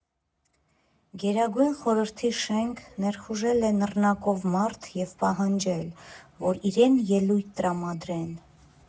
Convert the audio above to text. Գերագույն Խորհրդի շենք ներխուժել է նռնակով մարդ և պահանջել, որ իրեն ելույթ տրամադրեն։